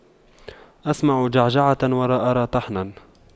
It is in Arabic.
أسمع جعجعة ولا أرى طحنا